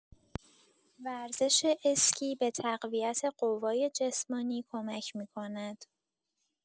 ورزش اسکی به تقویت قوای جسمانی کمک می‌کند.